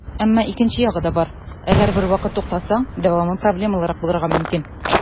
Әмма икенче ягы да бар - әгәр бервакыт туктасаң, дәвамы проблемалырак булырга мөмкин.